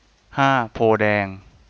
ห้าโพธิ์แดง